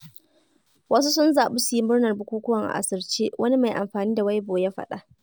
Wasu sun zaɓi su yi murnar bukukuwan a asirce. Wani mai amfani da Weibo y faɗa: